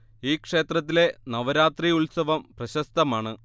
ഈ ക്ഷേത്രത്തിലെ നവരാത്രി ഉത്സവം പ്രശസ്തമാണ്